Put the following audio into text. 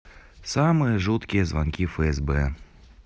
самые жуткие звонки в фсб